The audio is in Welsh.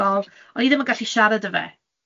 o'n i ddim yn gallu siarad 'da fe.